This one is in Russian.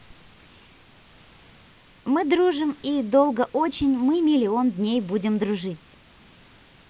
мы дружим и долгоочень мы миллион дней будем дружить